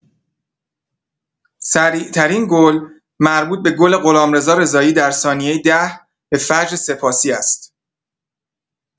سریع‌ترین گل مربوط به گل غلامرضا رضایی در ثانیه ۱۰ به فجرسپاسی است.